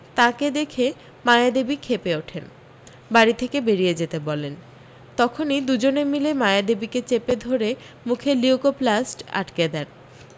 তাঁকে দেখে মায়াদেবী ক্ষেপে ওঠেন বাড়ী থেকে বেরিয়ে যেতে বলেন তখনই দুজনে মিলে মায়াদেবীকে চেপে ধরে মুখে লিউকোপ্লাস্ট আটকে দেন